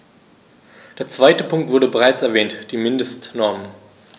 Der zweite Punkt wurde bereits erwähnt: die Mindestnormen.